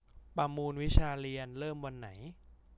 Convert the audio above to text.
ประมูลวิชาเรียนเริ่มวันไหน